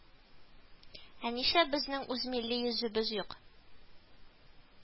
Ә нишләп безнең үз милли йөзебез юк